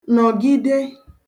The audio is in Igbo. nọ̀gide